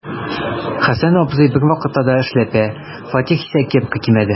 Хәсән абзый бервакытта да эшләпә, Фатих исә кепка кимәде.